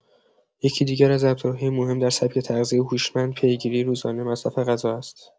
یکی دیگر از ابزارهای مهم در سبک تغذیه هوشمند پیگیری روزانه مصرف غذا است.